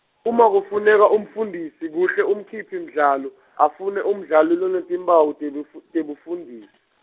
uma kufuneka umfundisi, kuhle umkhiphi mdlalo, afune umdlali lonetimphawu tebufu- tebufundisi.